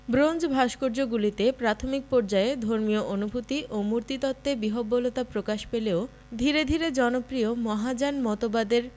bronze ভাস্কর্যগুলিতে প্রাথমিক পর্যায়ে ধর্মীয় অনুভূতি ও মূর্তিতত্ত্বে বিহ্ববলতা প্রকাশ পেলেও ধীরে ধীরে জনপ্রিয় মহাযান মতবাদের